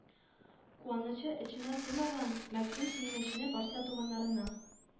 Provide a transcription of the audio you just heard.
Куанычы эченә сыймаган Мәгъсүм сөенечне барча туганнарына